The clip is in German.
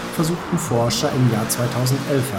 versuchten Forscher im Jahr 2011 herauszufinden